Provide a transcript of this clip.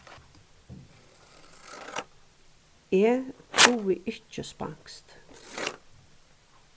eg dugi ikki spanskt